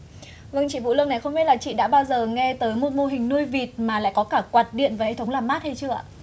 vâng chị vũ lương này không biết là chị đã bao giờ nghe tới một mô hình nuôi vịt mà lại có cả quạt điện và hệ thống làm mát hay chưa ạ